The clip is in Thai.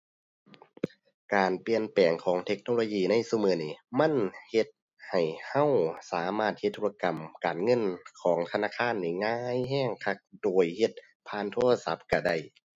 การเปลี่ยนแปลงของเทคโนโลยีในซุมื้อนี้ มันเฮ็ดให้เราสามารถเฮ็ดธุรกรรมการเงินของธนาคารได้ง่ายเราคัก โดยเฮ็ดผ่านโทรศัพท์เราได้